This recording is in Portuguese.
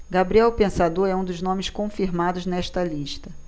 gabriel o pensador é um dos nomes confirmados nesta lista